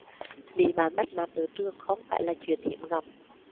bị bạn bắt nạt ở trường không phải là chuyện hiếm gặp